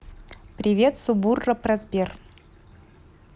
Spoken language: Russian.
привет субурра про сбер